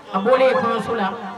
A ko ye kumaso la